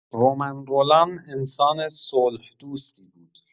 رومن رولان انسان صلح‌دوستی بود.